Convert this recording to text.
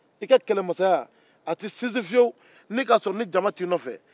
i ka kɛlɛmasaya tɛ sinsin fiyewu ni jama t'i nɔfɛ